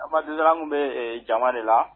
tun bɛ jama de la.